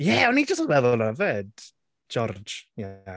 Ie, o'n i jyst yn meddwl hwnna 'fyd. Jiorj, ie.